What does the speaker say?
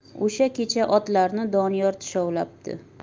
o'sha kecha otlarni doniyor tushovlabdi